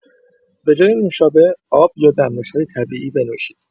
به‌جای نوشابه، آب یا دمنوش‌های طبیعی بنوشید.